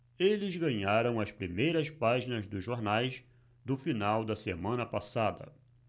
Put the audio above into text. eles ganharam as primeiras páginas dos jornais do final da semana passada